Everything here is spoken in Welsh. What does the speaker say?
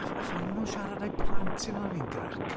A ff- a ffordd maen nhw'n siarad â'u plant sy'n hala fi'n grac.